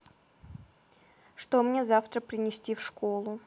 что мне завтра принести в школу